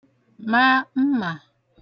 ma mmà